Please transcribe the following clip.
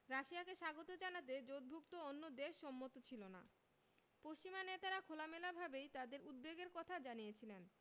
রাশিয়াকে স্বাগত জানাতে জোটভুক্ত অন্য দেশ সম্মত ছিল না পশ্চিমা নেতারা খোলামেলাভাবেই তাঁদের উদ্বেগের কথা জানিয়েছিলেন